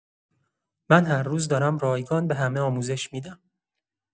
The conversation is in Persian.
من هر روز دارم رایگان به همه آموزش می‌دم.